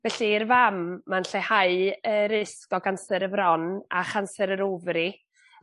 Felly i'r fam ma'n lleihau y risg o ganser y bron a chanser yr ofari.